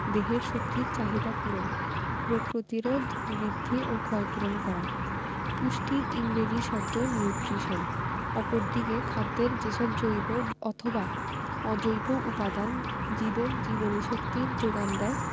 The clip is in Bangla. দেহের শক্তির চাহিদা পূরণ রোগ প্রতিরোধ বৃদ্ধি ও ক্ষয়পূরণ করা পুষ্টির ইংরেজি শব্দ নিউট্রিশন অপরদিকে খাদ্যের যেসব জৈব অথবা অজৈব উপাদান জীবের জীবনীশক্তির যোগান দেয়